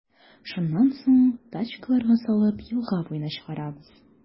Шуннан соң, тачкаларга салып, елга буена чыгарабыз.